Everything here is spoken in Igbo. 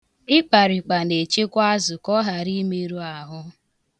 Ịkparịkpa na-echekwa azụ ka ọ ghara imeru ahụ.